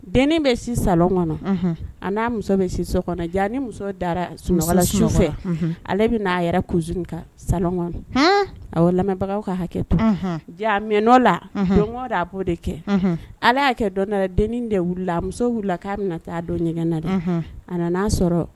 Den bɛ si sa kɔnɔ a n'a muso bɛ si so kɔnɔ jaa ni muso darala su fɛ ale bɛ n'a yɛrɛ ka sa kɔnɔ a lamɛnbagaw ka hakɛ jaa mɛn la dɔn da a'o de kɛ ala y'a kɛ dɔnda den de wili a muso wulila k' bɛna taa dɔn ɲɛgɛn na de a nanaa sɔrɔ